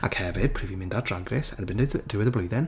Ac hefyd pryd fi'n mynd ar Drag Race erbyn blyn- diwedd y blwyddyn...